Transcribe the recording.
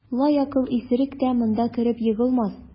Лаякыл исерек тә монда кереп егылмас.